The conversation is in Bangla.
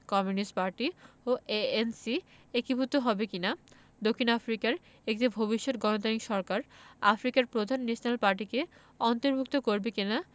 কমিউনিস্ট পার্টি ও এএনসি একীভূত হবে কি না দক্ষিণ আফ্রিকার একটি ভবিষ্যৎ গণতান্ত্রিক সরকার আফ্রিকার প্রধান ন্যাশনাল পার্টিকে অন্তর্ভুক্ত করবে কি না